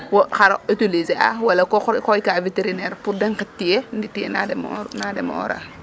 wo xar o utiliser a wala ko xooy ka vétérinaire pour de ŋic tiye di tiye na de mo oru na demo ora